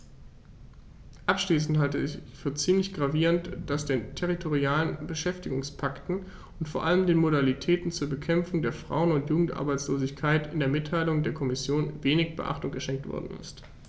Abschließend halte ich es für ziemlich gravierend, dass den territorialen Beschäftigungspakten und vor allem den Modalitäten zur Bekämpfung der Frauen- und Jugendarbeitslosigkeit in der Mitteilung der Kommission wenig Beachtung geschenkt worden ist.